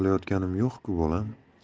yo'q ku bolam